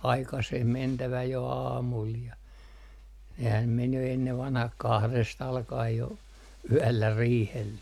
aikaiseen mentävä jo aamulla ja nehän meni jo ennen vanhaan kahdesta alkaen jo yöllä riihelle